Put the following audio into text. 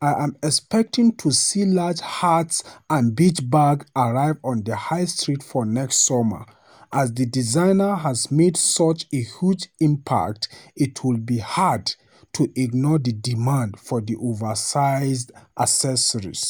'I'm expecting to see large hats and beach bags arrive on the high street for next summer - as the designer has made such a huge impact it would be hard to ignore the demand for the oversized accessories.'